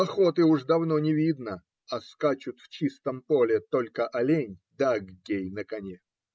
Охоты уже давно не видно, и скачут в чистом поле только олень да Аггей на коне.